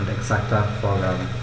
und exakter Vorgaben.